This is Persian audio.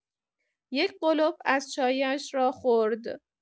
یک قلپ از چایش را خورد.